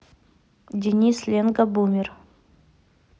денис ленга бумер